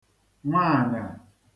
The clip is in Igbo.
nwaanyà